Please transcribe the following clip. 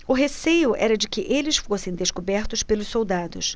o receio era de que eles fossem descobertos pelos soldados